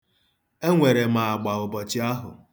Enwere m agba ụbọchị ahụ.